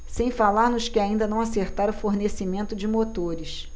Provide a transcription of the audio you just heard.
sem falar nos que ainda não acertaram o fornecimento de motores